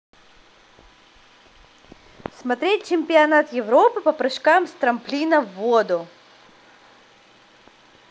смотреть чемпионат европы по прыжкам с трамплина в воду